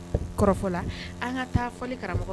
An ka taa fɔ karamɔgɔ